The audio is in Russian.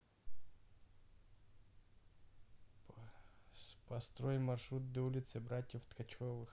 построй маршрут до улицы братьев ткачевых